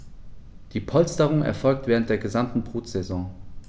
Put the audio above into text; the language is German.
Diese Polsterung erfolgt während der gesamten Brutsaison.